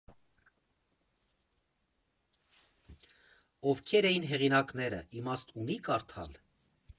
Ովքե՞ր են հեղինակները, իմաստ ունի՞ կարդալ։